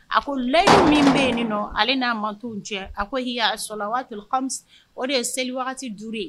A ko yi min bɛ yen nin nɔ ale n'a ma cɛ a ko h' sɔrɔ waati o de ye seli duuru ye